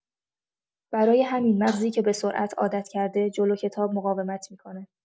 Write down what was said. برای همین مغزی که به‌سرعت عادت کرده، جلو کتاب مقاومت می‌کنه.